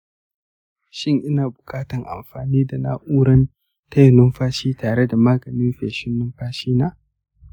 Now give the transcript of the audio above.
shin ina buƙatar amfani da na'urar taya numfashi tare da maganin feshin numfashi na?